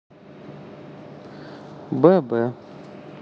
б б